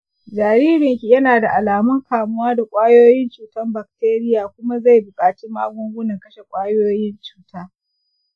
jaririnki yana da alamun kamuwa da kwayoyin cutar bakteriya kuma zai buƙaci magungunan kashe kwayoyin cuta